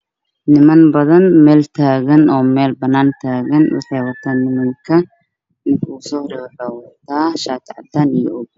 Niman badan meel taagan oo meel bannaan taagan waxay wataan nimanka ninka ugu soo horeeyo wuxuu wataa shaati cadaan iyo surwaal madow